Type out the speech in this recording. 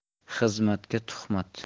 xizmatga tuhmat